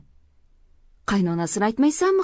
qaynonasini aytmaysanmi